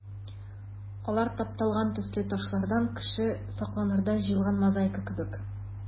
Алар тапталган төсле ташлардан кеше сокланырдай җыелган мозаика кебек.